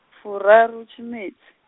furaru tshimedzi.